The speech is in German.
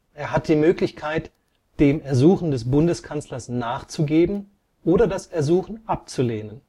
Er hat die Möglichkeit, dem Ersuchen des Bundeskanzlers nachzugeben oder das Ersuchen abzulehnen